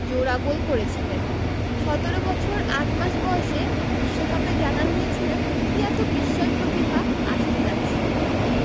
জোড়া গোল করেছিলেন ১৭ বছর ৮ মাস বয়সে বিশ্বকাপে জানান দিয়েছিলেন কী এত বিস্ময় প্রতিভা আসতে যাচ্ছে